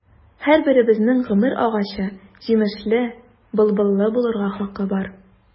Һәрберебезнең гомер агачы җимешле, былбыллы булырга хакы бар.